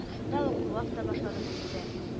Шунда ук Уав та башланып китте